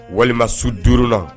Walima su durunna